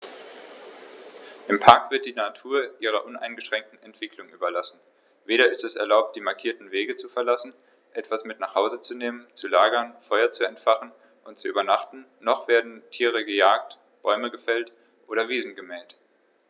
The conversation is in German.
Im Park wird die Natur ihrer uneingeschränkten Entwicklung überlassen; weder ist es erlaubt, die markierten Wege zu verlassen, etwas mit nach Hause zu nehmen, zu lagern, Feuer zu entfachen und zu übernachten, noch werden Tiere gejagt, Bäume gefällt oder Wiesen gemäht.